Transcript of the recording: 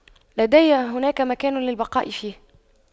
لدي هناك مكان للبقاء فيه